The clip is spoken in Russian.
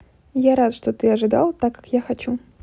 я рад что ты ожидал так как я хочу